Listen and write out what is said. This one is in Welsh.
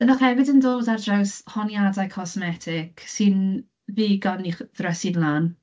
Byddwch hefyd yn dod at draws honiadau cosmetig sy'n ddigon i'ch ddrysu'n lan.